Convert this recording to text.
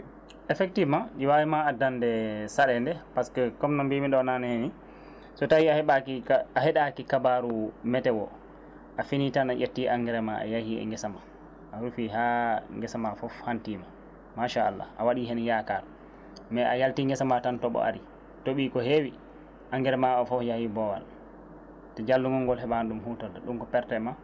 effectivement ɗi wawi ma addande saɗende par ce que comme no mbimi ɗo naane ni so tawi a heɗaki kabaru météo a fini tan a ƴetti engrais ma a yaahi e geesa ma a woppi ha geesa ma foof fantima machallah a waɗi heen yakar mais a yalti geesa ma tan tooɓo aari tooɓi ko heewi engrais ma o foof yaahi boowal jallugol ngol heeɓani ɗum hutorde ɗum ko perte e ma